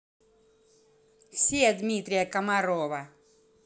все дмитрия комарова